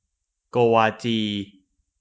โกวาจี